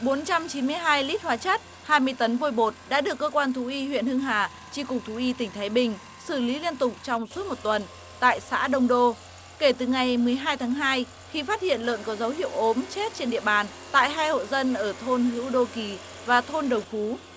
bốn trăm chín mươi hai lít hóa chất hai mươi tấn vôi bột đã được cơ quan thú y huyện hưng hà chi cục thú y tỉnh thái bình xử lý liên tục trong suốt một tuần tại xã đông đô kể từ ngày mười hai tháng hai khi phát hiện lợn có dấu hiệu ốm chết trên địa bàn tại hai hộ dân ở thôn hữu đô kỳ và thôn đầu thú